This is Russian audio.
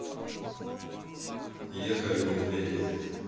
ехали медведи